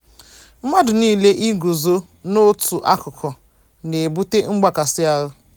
Mmadụ niile ị guzo n'otu akụkụ na-ebute mgbakasị ahụ.